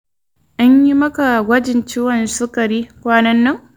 an yi maka gwajin ciwon sukari kwanan nan?